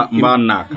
mbaa naak